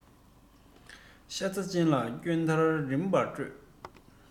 ཤ ཚ ཅན ལ སྐྱོང མཐར རིམ པར སྤྲོད